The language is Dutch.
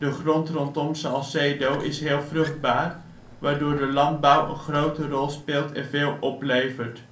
grond rondom Salcedo is heel vruchtbaar, waardoor de landbouw een grote rol speelt en veel oplevert